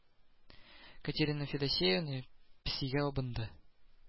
Катерина Федосеевна песигә абынды: